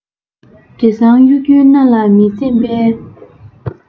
བྲེ སྲང གཡོ སྒྱུ མནའ ལ མི འཛེམ པའི